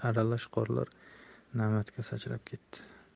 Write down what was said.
aralash qorlar namatga sachrab ketdi